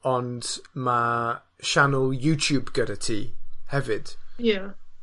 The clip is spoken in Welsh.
Ond ma' sianel YouTube gyda ti hefyd. Ie.